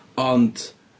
Ond...